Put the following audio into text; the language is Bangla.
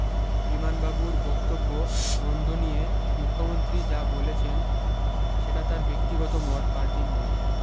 বিমানবাবুর বক্তব্য বন্ধ নিয়ে মুখ্যমন্ত্রী যা বলেছেন সেটা তার ব্যক্তিগত মত পার্টির নয়